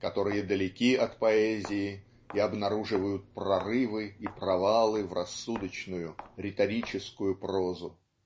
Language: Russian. которые далеки от поэзии и обнаруживают прорывы и провалы в рассудочную риторическую прозу.